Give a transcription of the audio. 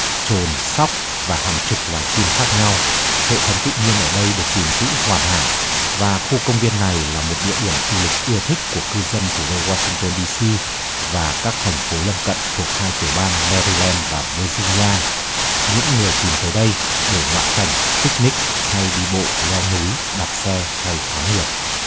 chồn sóc và hàng chục loài chim khác nhau hệ thống tự nhiên ở đây được gìn giữ hoàn hảo và khu công viên này là một địa điểm du lịch ưa thích của cư dân thủ đô goa sinh tơn đi xi và các thành phố lân cận thuộc hai tiểu bang me ry len và vơ ri li a những người tìm tới đây để ngoạn cảnh pích ních hay đi bộ leo núi đạp xe hay thám hiểm